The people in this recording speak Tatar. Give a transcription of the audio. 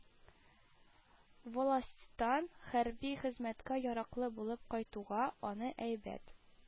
Волостьтан хәрби хезмәткә яраклы булып кайтуга, аны әйбәт